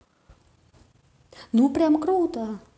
ну прям круто